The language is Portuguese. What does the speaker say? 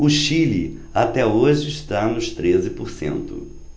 o chile até hoje está nos treze por cento